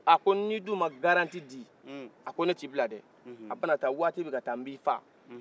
a ko nin duma garantie di a k'o ne t'i bila dɛ a bɛ nata waati bɛna ta nb'i faa